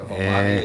ee